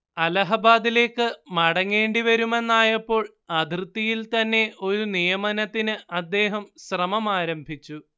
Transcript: അലഹബാദിലേക്ക് മടങ്ങേണ്ടി വരുമെന്നായപ്പോൾ അതിർത്തിയിൽത്തന്നെ ഒരു നിയമനത്തിന് അദ്ദേഹം ശ്രമമാരംഭിച്ചു